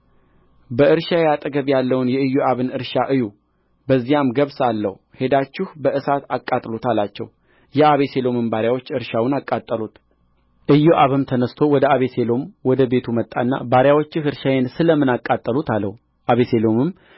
በእርሻዬ አጠገብ ያለውን የኢዮአብን እርሻ እዩ በዚያም ገብስ አለው ሂዳችሁ በእሳት አቃጥሉት አላቸው የአቤሴሎምም ባሪያዎች እርሻውን አቃጠሉት ኢዮአብም ተነሥቶ ወደ አቤሴሎም ወደ ቤቱ መጣና ባሪያዎችህ እርሻዬን ስለምን አቃጠሉት አለው አቤሴሎምም